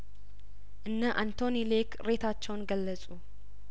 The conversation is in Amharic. እነ አንቶኒ ሌክ ቅሬታቸውን ገለጹ